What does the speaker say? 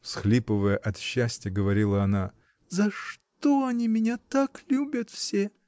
— всхлипывая от счастья, говорила она, — за что они меня так любят все?